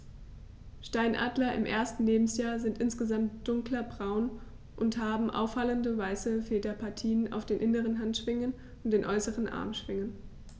Steinadler im ersten Lebensjahr sind insgesamt dunkler braun und haben auffallende, weiße Federpartien auf den inneren Handschwingen und den äußeren Armschwingen.